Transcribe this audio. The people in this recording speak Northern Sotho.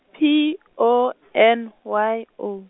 P, O, N, Y, O.